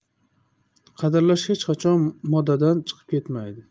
qadrlash hech qachon modadan chiqib ketmaydi